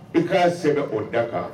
I k'a segin o da kan